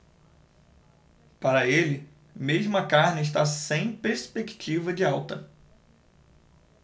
para ele mesmo a carne está sem perspectiva de alta